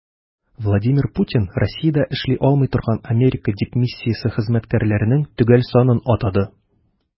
Владимир Путин Россиядә эшли алмый торган Америка дипмиссиясе хезмәткәрләренең төгәл санын атады.